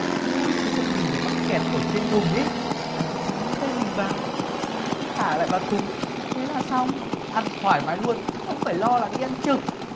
rút cái phong bì mà mắc kẹt ở trên thùng í anh dán tên mình vào xong thả lại vào thùng thế là xong ăn thoải mái luôn không phải lo là đi ăn trực